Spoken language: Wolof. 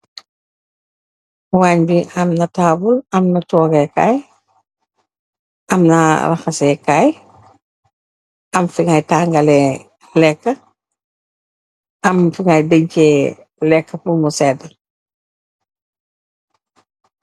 Wang bi am na tabul, am na togey kay, am na rahasey Kay, am funyo tanga ley leka. Am fu nga denchey leka pur bum seda.